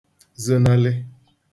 zonalị